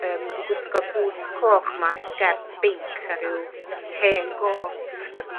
yym yn gwisgo bŵts coch 'ma ryw sgert binc a ryw hen got